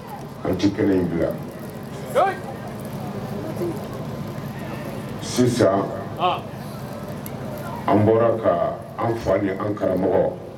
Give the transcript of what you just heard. An ci kelen bila sisan an bɔra ka an fa ni an karamɔgɔ